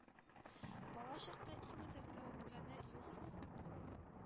Балачакта иң үзәккә үткәне — юлсызлык,